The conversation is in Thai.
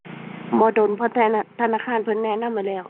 บ่โดน เพราะแต่ละธนาคารเพิ่นแนะนำไว้แล้ว